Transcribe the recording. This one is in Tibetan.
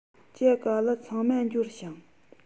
ཇ ག ལི ཚང མ འབྱོར བྱུང